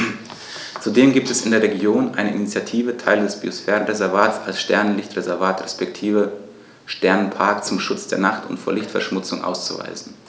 Zudem gibt es in der Region eine Initiative, Teile des Biosphärenreservats als Sternenlicht-Reservat respektive Sternenpark zum Schutz der Nacht und vor Lichtverschmutzung auszuweisen.